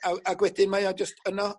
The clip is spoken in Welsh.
a- w- ag wedyn mae o jyst yno